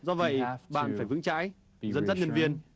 do vậy bạn phải vững chãi dẫn dắt nhân viên